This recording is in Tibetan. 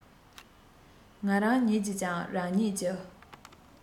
ང རང ཉིད ཀྱིས ཀྱང རང ཉིད ཀྱི